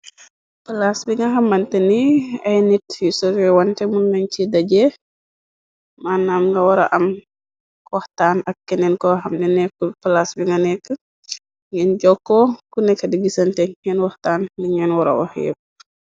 Palaas bi nga xamante ni ay nit yu sore wante mun nañ ci daje mànnaam nga wara am waxtaan ak keneen ko xamne nekku plaas bi nga nekk ngeen jokko ku nekk di gisante ngen waxtaan liñeen wara waxéew.